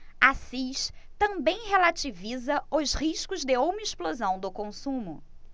assis também relativiza os riscos de uma explosão do consumo